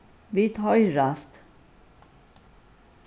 vit hoyrast